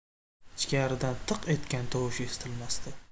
ichkaridan tiq etgan tovush eshitilmasdi